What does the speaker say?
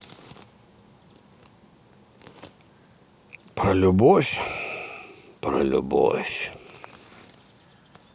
про любовь про любовь